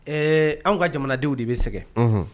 Ɛɛ anw ka jamanadenw de bɛ segin